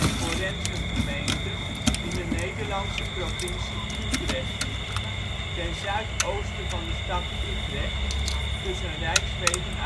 forensengemeente in de Nederlandse provincie Utrecht, ten zuidoosten van de stad Utrecht, tussen rijkswegen